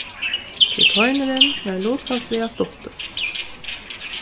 tí teinurin var lutfalsliga stuttur